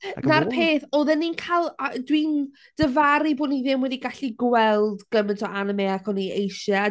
'Na'r peth. Oedden ni'n cael... a dwi'n difaru bo' ni ddim wedi gallu gweld gymaint o Anna May ag o'n i eisiau.